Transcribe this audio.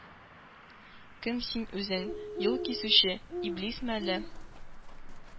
Кем син үзең? Юл кисүче? Иблисме әллә?